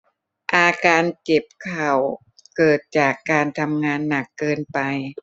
อาการเจ็บเข่าเกิดจากการทำงานหนักเกินไป